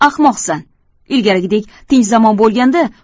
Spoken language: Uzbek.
ahmoqsan ilgarigidek tinch zamon bo'lganda